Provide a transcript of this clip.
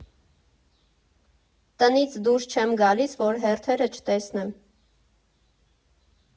Տնից դուրս չեմ գալիս, որ հերթերը չտեսնեմ։